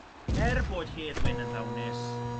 Er bod Hedd Wyn yn ddawnus